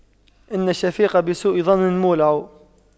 إن الشفيق بسوء ظن مولع